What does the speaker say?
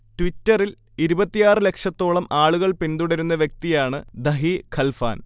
ട്വിറ്ററിൽ ഇരുപത്തിയാറ് ലക്ഷത്തോളം ആളുകൾ പിന്തുടരുന്ന വ്യക്തിയാണ് ധഹി ഖൽഫാൻ